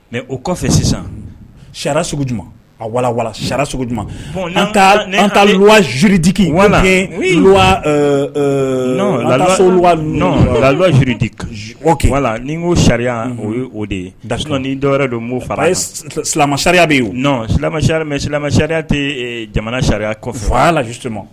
Mɛ o kɔfɛ sisan sa sugu dumanuma a walawa sa sugu zodiki nɔn o wala ni ko sariya o o de ye das dɔwɛrɛ don'o fara silamɛ sa de yen silamɛ silamɛma sariya tɛ jamana sariya faya lajsi